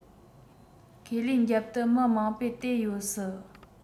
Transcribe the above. ཁས ལེན རྒྱབ ཏུ མི མང བོས བལྟས ཡོད སྲིད